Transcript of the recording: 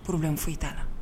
Probléme foyi t'a la